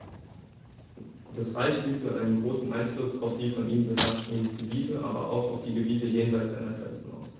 Das Reich übte einen großen Einfluss auf die von ihm beherrschten Gebiete, aber auch auf die Gebiete jenseits seiner Grenzen aus.